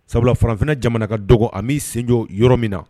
Sabula farafin na jamana ka dɔgɔ a min sen jɔ yɔrɔ min na.